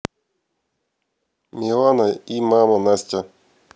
милана и мама настя